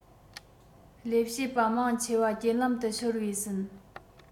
ལས བྱེད པ མང ཆེ བ རྐྱེན ལམ དུ ཤོར བའི ཟིན